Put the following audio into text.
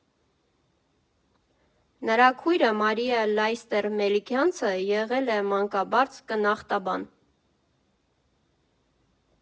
Նրա քույրը՝ Մարիա Լյայստեր֊Մելիքյանցը, եղել է մանկաբարձ֊կնախտաբան։